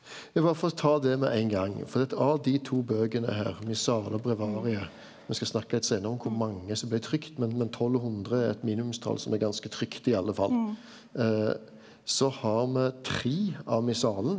berre for å ta det med ein gong for det at av dei to bøkene her missale og breviariet me skal snakka litt seinare om kor mange som blei trykt men men 1200 er eit minimumstal som er ganske trygt i alle fall så har me tre av Missalen.